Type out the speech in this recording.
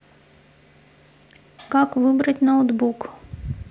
как выбрать ноутбук